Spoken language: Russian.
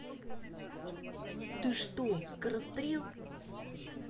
ты что скорострел